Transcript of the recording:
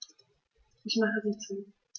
Ich mache sie zu.